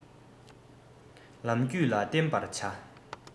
ལམ རྒྱུད ལ བརྟེན པར བྱ